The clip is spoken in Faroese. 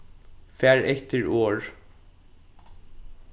far eftir orð